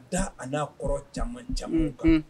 Da a n'a kɔrɔ caman caman kan